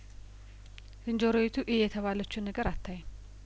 ዝንጀሮዪቱ እዪ የተባለችውን ነገር አታይም